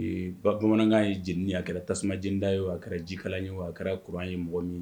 Bamanankan ye j a kɛra tasuma jda ye o a kɛra jikala ye a kɛra kuran ye mɔgɔ min ye